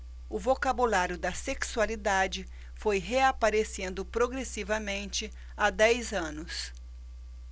o vocabulário da sexualidade foi reaparecendo progressivamente há dez anos